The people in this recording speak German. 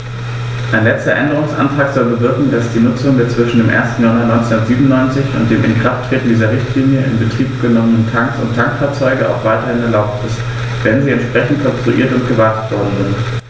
Ein letzter Änderungsantrag soll bewirken, dass die Nutzung der zwischen dem 1. Januar 1997 und dem Inkrafttreten dieser Richtlinie in Betrieb genommenen Tanks und Tankfahrzeuge auch weiterhin erlaubt ist, wenn sie entsprechend konstruiert und gewartet worden sind.